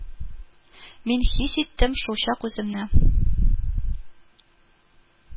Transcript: Мин хис иттем шулчак үземне